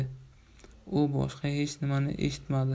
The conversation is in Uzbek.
u boshqa hech nimani eshitmadi